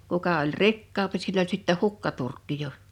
kuka oli rikkaampi sillä oli sitten hukkaturkki jo